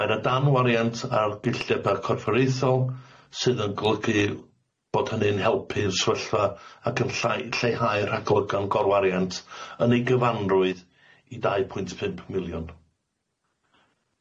Mae na dan wariant ar gillteba corfforaethol, sydd yn golygu w- bod hynny'n helpu'r s'fyllfa ac yn llai- lleihau'r rhaglygon gorwariant yn ei gyfanrwydd i dau pwynt pump miliwn.